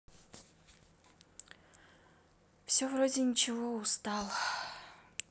все вроде ничего устал